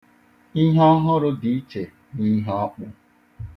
Ihe ọhụrụ dị iche n'ihe ọkpụ.